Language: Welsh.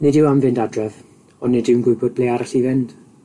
Nid yw am fynd adref ond nid yw'n gwybod ble arall i fynd.